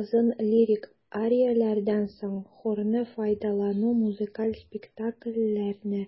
Озын лирик арияләрдән соң хорны файдалану музыкаль спектакльләрне